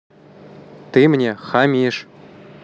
ты мне хамишь